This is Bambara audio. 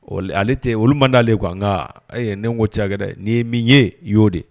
Ale tɛ olu dale kuwa ayi ne ko cakɛ dɛ n'i ye min ye y' oo de